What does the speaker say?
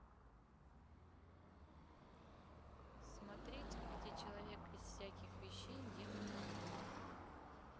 смотреть где человек из всяких вещей делают блюда